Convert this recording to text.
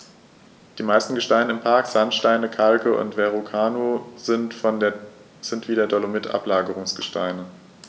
Die meisten Gesteine im Park – Sandsteine, Kalke und Verrucano – sind wie der Dolomit Ablagerungsgesteine.